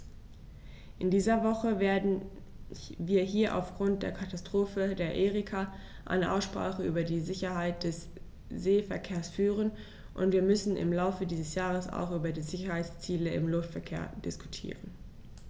In dieser Woche werden wir hier aufgrund der Katastrophe der Erika eine Aussprache über die Sicherheit des Seeverkehrs führen, und wir müssen im Laufe dieses Jahres auch über die Sicherheitsziele im Luftverkehr diskutieren.